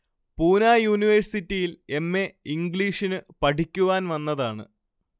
പൂനാ യൂനിവേര്സിറ്റിയിൽ M. A ഇന്ഗ്ലീഷിനു പഠിക്കുവാൻ വന്നതാണ്